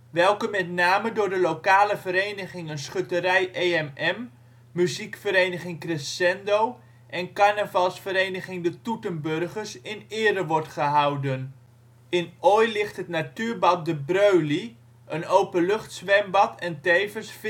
welke met name door de lokale verenigingen schutterij " EMM ", Muziekvereniging Crescendo en Carnavalsvereniging de Toetenburgers in ere wordt gehouden. In Ooij ligt het natuurbad De Breuly, een openluchtzwembad en tevens